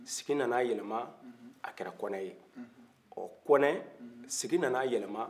sigi na na a yɛlɛma a kɛra kɔne ye ɔɔ kɔne sigi na na a yɛlɛma